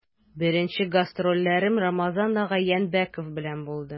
Беренче гастрольләрем Рамазан ага Янбәков белән булды.